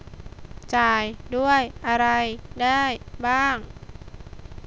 จ่ายด้วยอะไรได้บ้าง